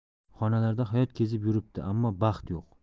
xonalarda hayot kezib yuribdi ammo baxt yo'q